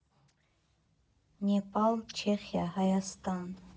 Նեպալ, Չեխիա, Հայաստան։